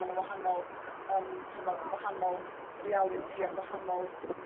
ma' 'na wahanol yym ch'mod gwahanol realiti a gwahanol